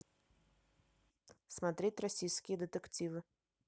смотреть российские детективы